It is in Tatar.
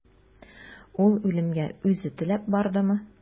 Ул үлемгә үзе теләп бардымы?